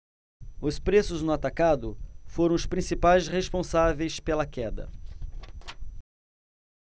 os preços no atacado foram os principais responsáveis pela queda